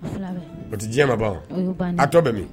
Bon diɲɛ ma a tɔ bɛ min